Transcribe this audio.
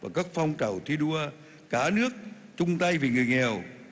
và các phong trào thi đua cả nước chung tay vì người nghèo